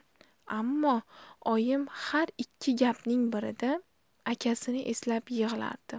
ammo oyim har ikki gapning birida akasini eslab yig'lardi